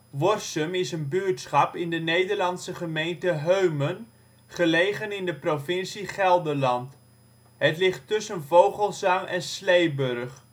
Worsum is een buurtschap in de Nederlandse gemeente Heumen, gelegen in de provincie Gelderland. Het ligt tussen Vogelzang en Sleeburg